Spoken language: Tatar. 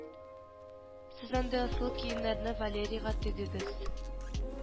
Сез андый асыл киемнәрне валерийга тегегез